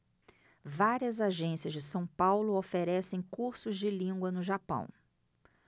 várias agências de são paulo oferecem cursos de língua no japão